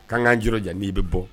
Kan ka jira ja n'i bɛ bɔ